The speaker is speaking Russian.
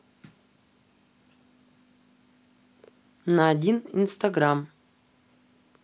на один инстаграм